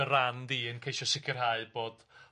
dy ran di yn ceisio sicirhau bod